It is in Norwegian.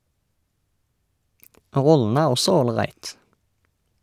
Rollene er også ålreit.